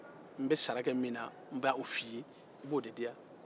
n bɛ baara kɛ sara min na n b'o fɔ i ye i b'o di yan